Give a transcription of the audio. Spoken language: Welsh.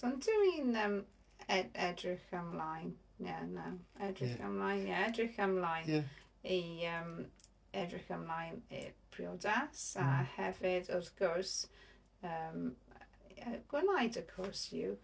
Ond dwi'n yym e- edrych ymlaen ie... no edrych ymlaen ie... edrych ymlaen i yym... edrych ymlaen i'r priodas a hefyd wrth gwrs yym yy gwneud y cwrs uwch.